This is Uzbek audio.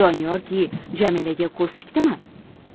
doniyorki jamilaga ko'z tikdimi